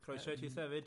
Croeso i tithe efyd.